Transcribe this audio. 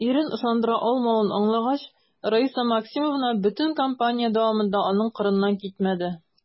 Ирен ышандыра алмавын аңлагач, Раиса Максимовна бөтен кампания дәвамында аның кырыннан китмәде.